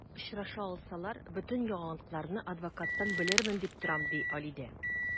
Очраша алсалар, бөтен яңалыкларны адвокаттан белермен дип торам, ди Алидә.